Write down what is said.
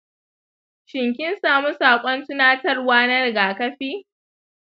shin kin samu sakon tunatarwa na rigakafi?